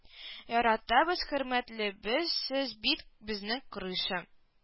Яратабыз хөрмәтлебез сез бит безнең крыша